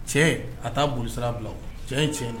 Cɛ a taa boli sira bila cɛ in tiɲɛ